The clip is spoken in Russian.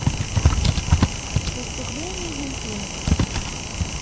выступление дельфинов